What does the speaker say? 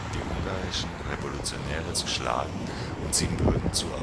die ungarischen Revolutionäre zu schlagen und Siebenbürgen zu